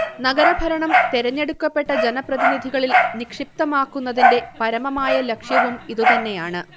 നഗരഭരണം തെരഞ്ഞെടുക്കപ്പെട്ട ജനപ്രതിനിധികളിൽ നിക്ഷിപ്തമാക്കുന്നതിന്റെ പരമമായ ലക്ഷ്യവും ഇതുതന്നെയാണ്